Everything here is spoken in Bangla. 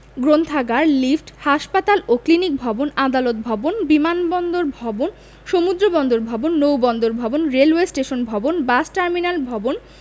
গ্রন্থাগান লিফট হাসপাতাল ও ক্লিনিক ভবন আদালত ভবন বিমানবন্দর ভবন সমুদ্র বন্দর ভবন নৌ বন্দর ভবন রেলওয়ে স্টেশন ভবন বাস টার্মিনাল ভবন